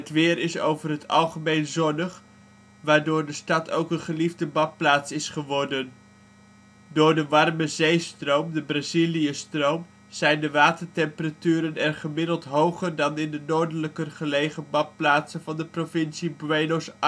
weer is over het algemeen zonnig, waardoor de stad ook een geliefde badplaats is geworden. Door de warme zeestroom (de Braziliëstroom) zijn de watertemperaturen er gemiddeld hoger dan in de noordelijker gelegen badplaatsen van de provincie Buenos